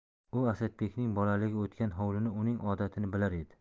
u asadbekning bolaligi o'tgan hovlini uning odatini bilar edi